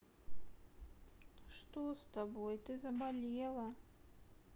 что с тобой ты заболела